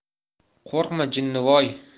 qo'rqma jinnivoy